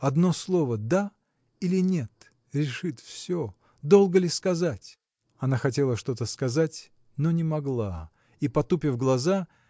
Одно слово – да или нет – решит все; долго ли сказать! Она хотела что-то сказать но не могла и потупив глаза